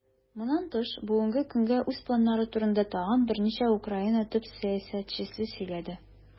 Моннан тыш, бүгенге көнгә үз планнары турында тагын берничә Украина топ-сәясәтчесе сөйләде.